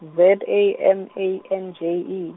Z A M A N J E.